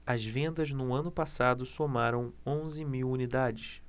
as vendas no ano passado somaram onze mil unidades